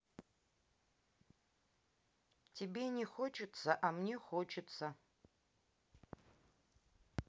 тебе не хочется а мне хочется